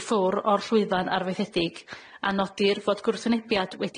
i ffwr o'r llwyfan arfeithedig a nodir fod gwrthwynebiad wedi